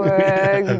ja.